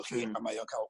a mae o ca'l